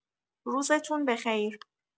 روزتون بخیر